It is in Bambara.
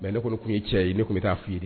Mɛ ne kɔni tun'i cɛ ye ne tun bɛ t taaa'i